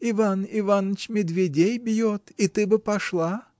— Иван Иваныч медведей бьет, и ты бы пошла?